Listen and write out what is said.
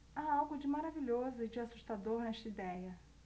há algo de maravilhoso e de assustador nessa idéia